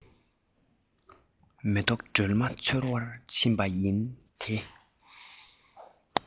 མེ ཏོག སྒྲོན མ འཚོལ བར ཕྱིན པ དེ